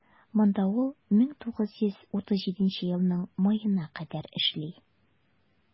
Монда ул 1937 елның маена кадәр эшли.